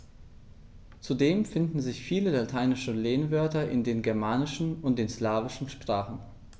Zudem finden sich viele lateinische Lehnwörter in den germanischen und den slawischen Sprachen.